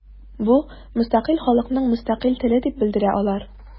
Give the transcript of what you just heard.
Бу – мөстәкыйль халыкның мөстәкыйль теле дип белдерә алар.